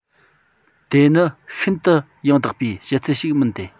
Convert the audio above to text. དེ ནི ཤིན ཏུ ཡང དག པའི བཤད ཚུལ ཞིག མིན ཏེ